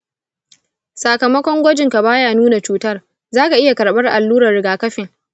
sakamakon gwajinka ba ya nuna cutar, za ka iya karɓar allurar rigakafin.